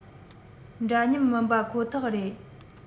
འདྲ མཉམ མིན པ ཁོ ཐག རེད